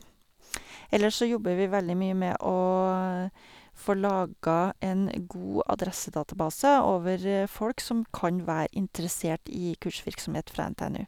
Ellers så jobber vi veldig mye med å få laga en god adressedatabase over folk som kan være interessert i kursvirksomhet fra NTNU.